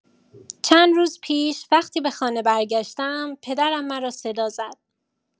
چند روز پیش، وقتی به خانه برگشتم، پدرم مرا صدا زد.